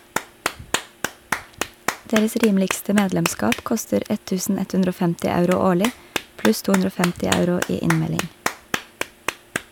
Deres rimeligste medlemskap koster 1150 euro årlig pluss 250 euro i innmelding.